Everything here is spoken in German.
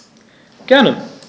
Gerne.